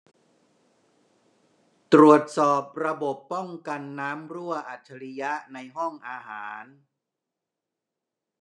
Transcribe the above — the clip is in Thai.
ตรวจสอบระบบป้องกันน้ำรั่วอัจฉริยะในห้องอาหาร